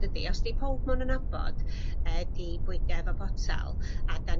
dydi os 'di powb ma' n'w nabod yy 'di bwydo efo potal a 'dan